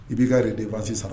I b'i ka de baasi sara